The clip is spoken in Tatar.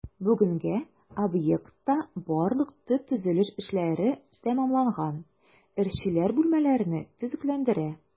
Бүгенгә объектта барлык төп төзелеш эшләре тәмамланган, эшчеләр бүлмәләрне төзекләндерә.